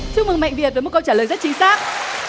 chúc mừng mạnh việt với một câu trả lời rất chính xác